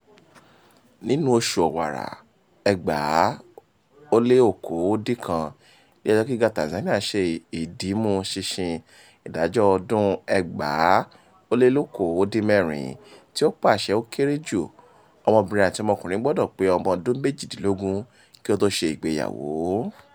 Nínú oṣù Ọ̀wàrà 2019, ilé ẹjọ́ gíga Tanzania ṣe ìdímú ṣinṣin ìdájọ́ ọdún-un 2016 tí ó pàṣẹ ó kéré jù, ọmọbìnrin àti ọmọkùnrin gbọdọ̀ pé ọmọ ọdún méjìdínlógún kí ó tó ṣe ìgbéyàwó.